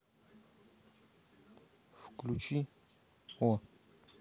включи о